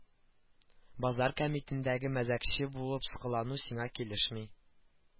Базар кәмитеңдәге мәзәкче булып кылану сиңа килешми